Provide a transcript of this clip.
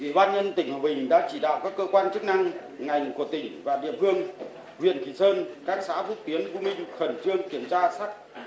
ủy ban nhân tỉnh hòa bình đã chỉ đạo các cơ quan chức năng ngành của tỉnh và địa phương huyện kỳ sơn các xã phúc tiến u minh khẩn trương kiểm tra sắt